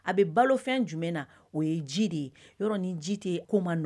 A bɛ balo fɛn jumɛn na, o ye ji de ye. Yɔrɔ ni ji tɛ yen, ko ma nɔgɔ.